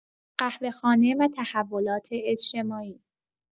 قهوه‌خانه و تحولات اجتماعی